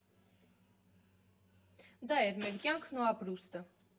Դա էր մեր կյանքն ու ապրուստը։